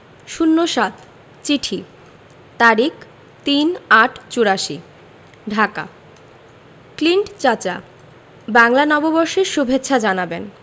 ০৭ চিঠি তারিখ ৩ ৮ ৮৪ ঢাকা ক্লিন্ট চাচা বাংলা নববর্ষের সুভেচ্ছা জানাবেন